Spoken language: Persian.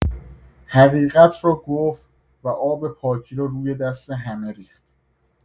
حقیقت را گفت و آب پاکی را روی دست همه ریخت.